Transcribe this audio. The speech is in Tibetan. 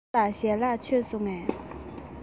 སྟོབས ལགས ཞལ ལག མཆོད སོང ངས